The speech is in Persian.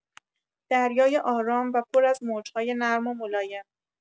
دریای آرام و پر از موج‌های نرم و ملایم